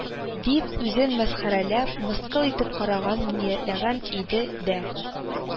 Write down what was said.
Дип, үзен мәсхәрәләп, мыскыл итеп карарга ниятләгән иде дә,